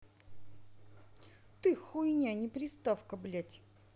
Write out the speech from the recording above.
ты хуйня не приставка блять